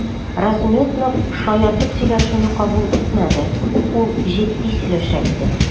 Размётнов шаяртып сөйләшүне кабул итмәде, ул җитди сөйләшә иде.